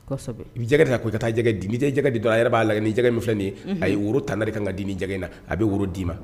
I bijɛgɛ' ka taa dijɛgɛ di dɔrɔn a yɛrɛ b'a la nijɛ in min filɛ nin ye a ye woro tan nali ka kan ka dimijɛ in na a bɛ woro d'i ma